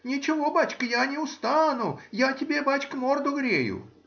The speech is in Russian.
ничего, бачка, я не устану: я тебе, бачка, морду грею.